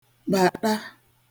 bàṭa